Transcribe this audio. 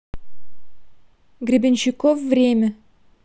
гребенщиков время